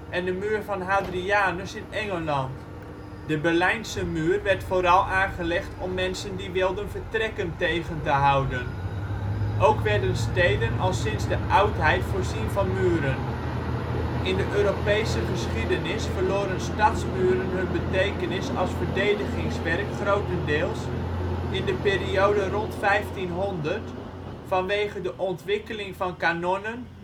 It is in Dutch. en de Muur van Hadrianus in Engeland. De Berlijnse Muur werd vooral aangelegd om mensen die wilden vertrekken tegen te houden. Ook werden steden al sinds de oudheid voorzien van muren. In de Europese geschiedenis verloren stadsmuren hun betekenis als verdedigingswerk grotendeels in de periode rond 1500 vanwege de ontwikkeling van kanonnen